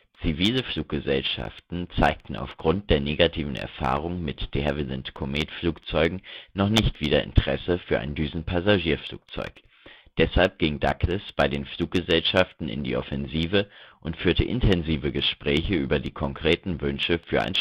Zivile Fluggesellschaften zeigten aufgrund der negativen Erfahrungen mit DeHavilland-Comet-Flugzeugen noch nicht wieder Interesse für ein Düsenpassagierflugzeug. Deshalb ging Douglas bei den Fluggesellschaften in die Offensive und führte intensive Gespräche über die konkreten Wünsche für ein